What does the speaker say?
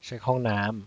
เช็คห้องน้ำ